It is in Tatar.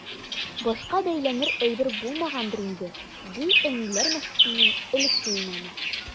Башка бәйләнер әйбер булмагангадыр инде, ди “Әниләр” мәчетенең элекке имамы.